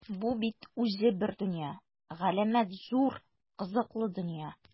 Бу бит үзе бер дөнья - галәмәт зур, кызыклы дөнья!